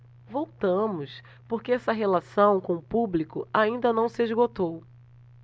voltamos porque essa relação com o público ainda não se esgotou